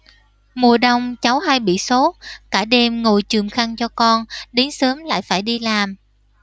mùa đông cháu hay bị sốt cả đêm ngồi chườm khăn cho con đến sớm lại phải đi làm